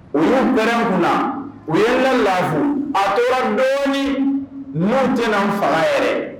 U y' bɛɛrɛn kun na u ye la lafifu a tora dɔɔnin minnu tɛ fara yɛrɛ